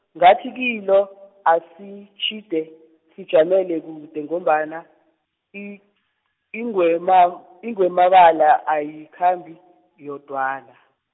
ngathi kilo, asitjhide sijamele kude ngombana, i- ingwema- ingwemabala, ayikhambi, yodwana.